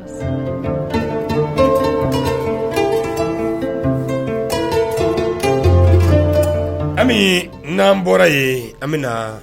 Ami, n'an bɔra yen an bɛ na